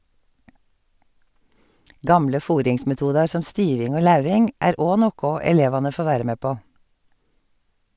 Gamle fôringsmetodar som styving og lauving er òg noko elevane får vere med på.